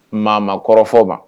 Mama kɔrɔfɔ fɔ ma